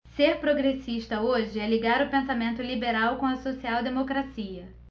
ser progressista hoje é ligar o pensamento liberal com a social democracia